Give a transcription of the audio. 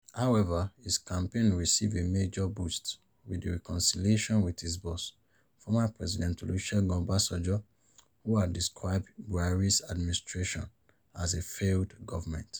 However, his campaign received a major boost with the reconciliation with his boss, former President Olusegun Obasanjo — who had described Buhari's administration as a failed government.